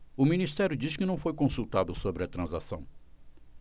o ministério diz que não foi consultado sobre a transação